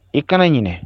I kana ɲinɛ